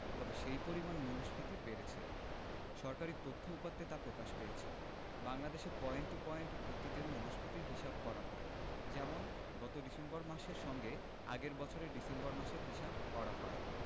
তবে সেই পরিমাণ মূল্যস্ফীতি বেড়েছে সরকারি তথ্য উপাত্তে তা প্রকাশ পেয়েছে বাংলাদেশে পয়েন্ট টু পয়েন্ট ভিত্তিতে মূল্যস্ফীতির হিসাব করা হয় যেমন গত ডিসেম্বর মাসের সঙ্গে আগের বছরের ডিসেম্বর মাসের হিসাব করা হয়